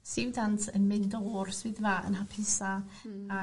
stiwdant yn mynd o'r swyddfa yn hapusa... Hm. ...a...